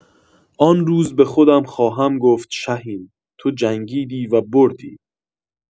آن روز به خودم خواهم گفت شهین تو جنگیدی و بردی.